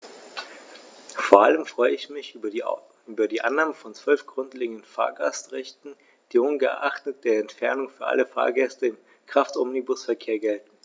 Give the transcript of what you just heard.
Vor allem freue ich mich über die Annahme von 12 grundlegenden Fahrgastrechten, die ungeachtet der Entfernung für alle Fahrgäste im Kraftomnibusverkehr gelten.